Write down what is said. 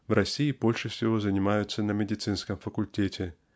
В России больше всего занимаются на медицинском факультете